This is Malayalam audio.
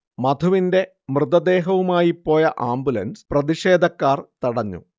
മധുവിന്റെ മൃതദേഹവുമായി പോയ ആംബുലൻസ് പ്രതിഷേധക്കാർ തടഞ്ഞു